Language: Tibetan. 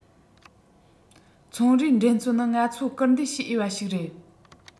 ཚོང རའི འགྲན རྩོད ནི ང ཚོ སྐུལ འདེབས བྱེད འོས པ ཞིག རེད